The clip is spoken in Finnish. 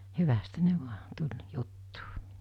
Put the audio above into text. hyvästihän ne vain tuli juttuun